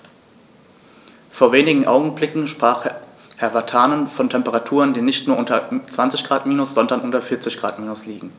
Vor wenigen Augenblicken sprach Herr Vatanen von Temperaturen, die nicht nur unter 20 Grad minus, sondern unter 40 Grad minus liegen.